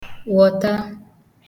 wọ̀ta